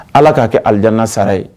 Ala k'a kɛ alidana sara ye